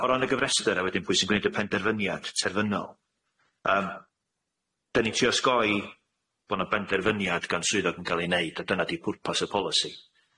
Yym o ran y gofrester a wedyn pwy sy'n gwneud y penderfyniad terfynol yym dyn ni'n trio osgoi bo' na benderfyniad gan swyddog yn ga'l ei neud a dyna di pwrpas y polisi.